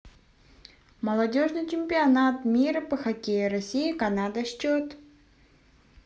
молодежный чемпионат мира по хоккею россия канада счет